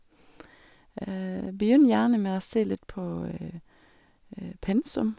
Begynn gjerne med å se litt på pensum.